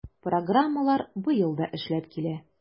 Программалар быел да эшләп килә.